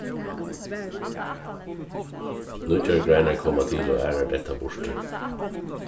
nýggjar greinar koma til og aðrar detta burtur